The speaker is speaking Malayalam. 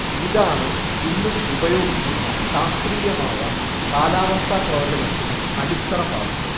ഇതാണ് ഇന്ന് ഉപയോഗിക്കുന്ന ശാസ്ത്രീയമായ കാലാവസ്ഥാപ്രവചനത്തിന് അടിത്തറ പാകിയത്